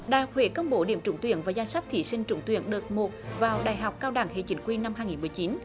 đại học huế công bố điểm trúng tuyển và danh sách thí sinh trúng tuyển đợt một vào đại học cao đẳng hệ chính quy năm hai nghìn mười chín